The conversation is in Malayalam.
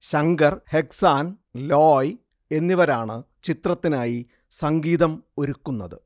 ശങ്കർ, എഹ്സാൻ, ലോയ് എന്നിവരാണ് ചിത്രത്തിനായി സംഗീതം ഒരുക്കുന്നത്